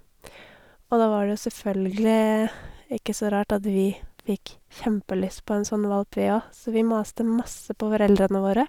Og da var det selvfølgelig ikke så rart at vi fikk kjempelyst på en sånn valp vi og, så vi maste masse på foreldrene våre.